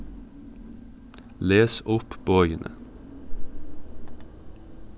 les upp boðini